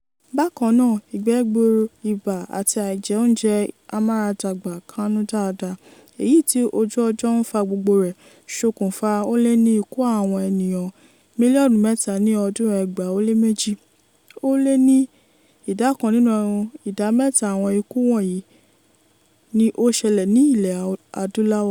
Bákan náà, ìgbẹ́ gbuuru, ibà àti àìjẹ oúnjẹ amáradàgbà kánú daada, èyí tí ojú ọjọ́ ń fa gbogbo rẹ̀, ṣokùnfà ó lé ní ikú àwọn ènìyàn 3 mílíọ̀nù ní ọdún 2002; ó lé ní ìdá kan nínú ìdá mẹ́ta àwọn ikú wọ̀nyí ni ó ṣẹlẹ̀ ní Ilẹ̀ Adúláwò.